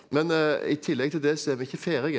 men i tillegg til det så er vi ikke ferdige.